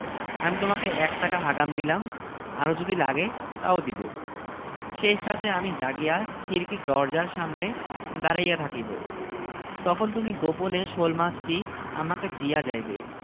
এই কথা শুনিয়া রহিম শেখের রাগ আরও বাড়িয়া গেল সে একটা লাঠি লইয়া বউকে মারিতে মারিতে বলিল ওরে শয়তানী দেখা দেখি তোর আট কলা কেমন